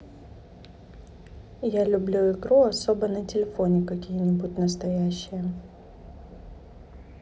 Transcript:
я люблю игру особо на телефоне какие нибудь настоящие